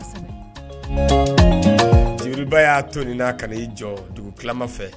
Jibiriba y'a to nin na ka n'i jɔɔ dugutilama fɛ